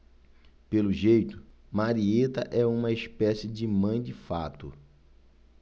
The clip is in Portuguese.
pelo jeito marieta é uma espécie de mãe de fato